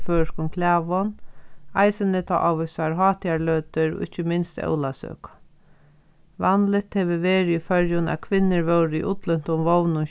føroyskum klæðum eisini tá ávísar hátíðarløtur og ikki minst á ólavsøku vanligt hevur verið í føroyum at kvinnur vóru í ullintum vovnum